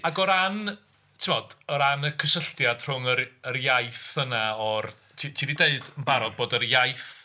Ac o ran timod o ran y cysylltiad rhwng yr yr iaith yna o'r... ti ti 'di deud yn barod bod yr iaith...